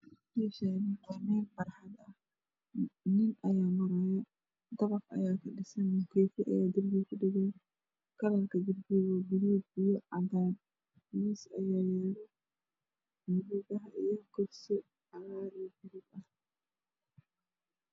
Meeshaan waa meel barxad nin ayaa marayaa goboda ayaa ka dhisan waxaa yaala miis baluug ah iyo miis cagaar iyo kursi cagaar iyo baluug ah